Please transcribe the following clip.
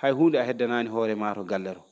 hay huunde a heddanaani hoore maa ro galle roo